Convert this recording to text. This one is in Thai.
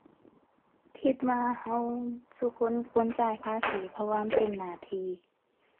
คิดว่าเราซุคนควรจ่ายภาษี เพราะว่ามันเป็นหน้าที่